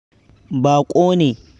Baƙo ne.